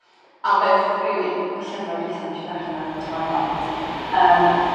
Am byth rili. Y llyfrau dwetha nesh i ddarlen oed Twilight yym.